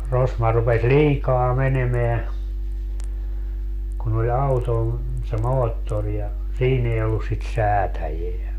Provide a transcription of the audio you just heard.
rosma rupesi liikaa menemään kun oli auton se moottori ja siinä ei ollut sitä säätäjää